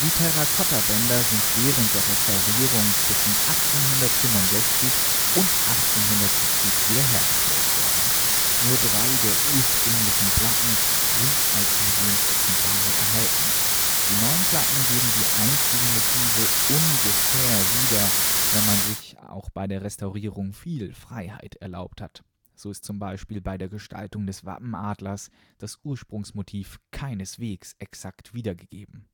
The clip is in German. Terrakottabänder sind während der Restaurierung zwischen 1865 und 1870 wiederhergestellt worden. Nur drei der ursprünglichen Platten sind als Museumsexemplare erhalten. Die neuen Platten geben die einstigen Motive ungefähr wieder, wenn man sich auch bei der Restaurierung viel Freiheit erlaubt hat. So ist zum Beispiel bei der Gestaltung des Wappenadlers das Ursprungsmotiv keineswegs exakt wiedergegeben